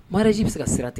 Maraji bɛ ka sira ten